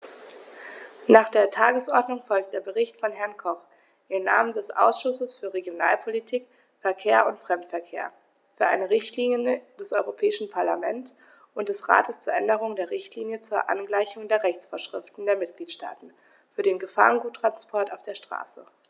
Nach der Tagesordnung folgt der Bericht von Herrn Koch im Namen des Ausschusses für Regionalpolitik, Verkehr und Fremdenverkehr für eine Richtlinie des Europäischen Parlament und des Rates zur Änderung der Richtlinie zur Angleichung der Rechtsvorschriften der Mitgliedstaaten für den Gefahrguttransport auf der Straße.